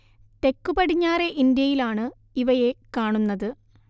തെക്കു പടിഞ്ഞാറെ ഇന്ത്യയിലാണ് ഇവയെ കാണുന്നത്